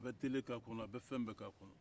a bɛ tele k'a kɔnɔ a bɛ fɛn bɛɛ k'a kɔnɔ